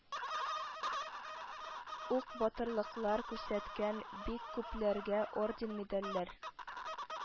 Ук батырлыклар күрсәткән бик күпләргә орден-медальләр